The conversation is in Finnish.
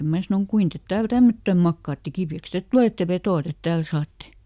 minä sanoin kuinka te täällä tämmöttöön makaatte kipeäksi te tulette vetoa te täällä saatte